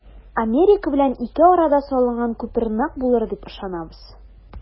Америка белән ике арада салынган күпер нык булыр дип ышанабыз.